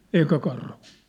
ei eikä karhuja